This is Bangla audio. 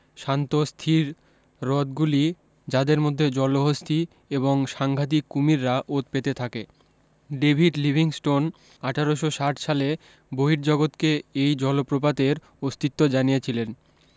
শান্ত স্থির রদগুলি যাদের মধ্যে জলহস্তী এবং সাংঘাতিক কুমিররা ওত পেতে থাকে ডেভিড লিভিংস্টোন আঠারোশ ষাট সালে বহির্জগতকে এই জলপ্রপাতের অস্তিত্ব জানিয়েছিলেন